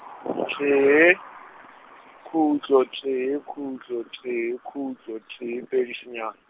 tee, khutlo tee khutlo tee khutlo tee, pedi senyane.